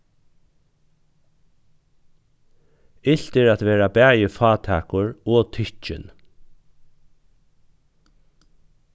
ilt er at vera bæði fátækur og tykkin